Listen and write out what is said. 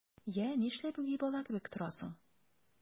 Йә, нишләп үги бала кебек торасың?